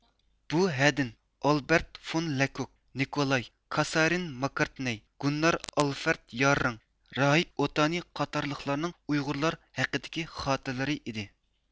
بۇ ھەدىن ئالبەرت فون لەكوك نىكولاي كاسەرىن ماكارتنەي گۇننار ئالفەرد ياررىڭ راھىب ئوتانى قاتارلىقلارنىڭ ئۇيغۇرلار ھەققىدىكى خاتىرىلىرى ئىدى